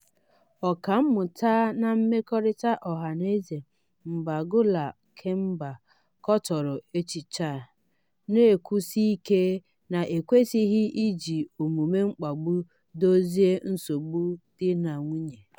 Ọka mmụta na mmekọrịta ọhanaeze Mbangula Kemba katọrọ echiche a, na-ekwusi ike na e kwesịghị iji omume mkpagbu dozie nsogbu di na nwunye.